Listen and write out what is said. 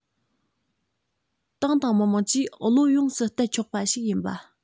ཏང དང མི དམངས ཀྱིས བློ ཡོངས སུ གཏད ཆོག པ ཞིག ཡིན པ